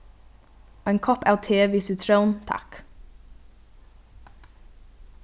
ein kopp av te við sitrón takk